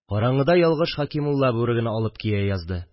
Караңгыда ялгыш Хәкимулла бүреген алып кия язды